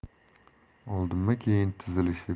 oldinma keyin tizilishib